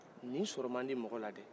ni sɔrɔ ma di mɔgɔ la dɛɛ